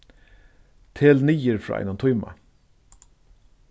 tel niður frá einum tíma